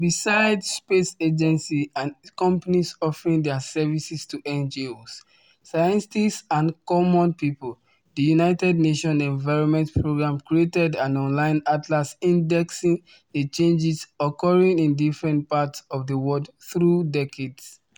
Besides space agencies and companies offering their services to NGOs, scientists and common people, the United Nations Environment Programme created an online atlas indexing the changes occurring in different parts of the world through decades.